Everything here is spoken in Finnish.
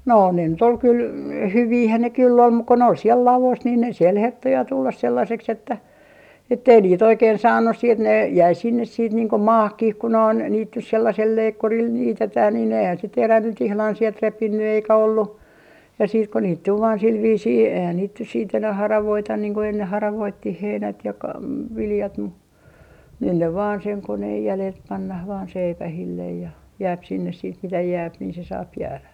no ne nyt oli kyllä hyviähän ne kyllä on mutta kun ne oli siellä ladossa niin siellä herttoo ja tulla sellaiseksi että että ei niitä oikein saanut sitten ne jäi sinne sitten niin kuin maahankin kun noin niitä nyt sellaisella leikkurilla niitetään niin eihän se terä nyt ihan sieltä repinyt eikä ollut ja sitten kun niitä tuli vain sillä viisiin eihän niitä nyt sitten enää haravoida niin kuin enne haravoitiin heinät ja - viljat mutta nyt ne vain sen koneen jäljiltä pannaan vain seipäille ja jää sinne sitten mitä jää niin se saa jäädä